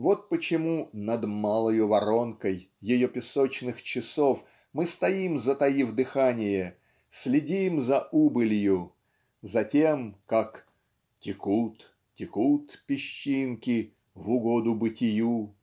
Вот почему "над малою воронкой" ее песочных часов мы стоим затаив дыхание следим за убылью за тем как Текут текут песчинки В угоду бытию